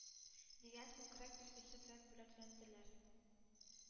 Дигән күкрәк билгесе белән бүләкләнделәр.